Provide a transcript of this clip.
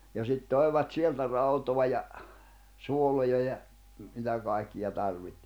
ja sitten toivat sieltä rautaa ja suoloja ja mitä kaikkia - tarvitsi